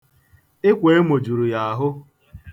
Ịkwa emo juru ya ahụ.